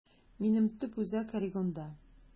Минем төп үзәк Орегонда.